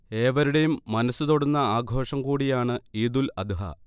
ഏവരുടെയും മനസ്സ് തൊടുന്ന ആഘോഷം കൂടിയാണ് ഈദുൽ അദ്ഹ